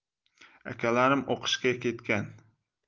akalarim o'qishga ketgan